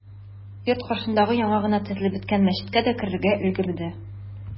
Йорт каршында яңа гына төзелеп беткән мәчеткә дә керергә өлгерде.